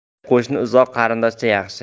yaxshi qo'shni uzoq qarindoshdan yaxshi